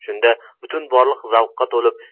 shunda butun borliq zavqqa to'lib